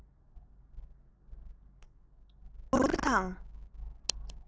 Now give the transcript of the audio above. ལྡན པའི སྒྱུ རྩལ གྱི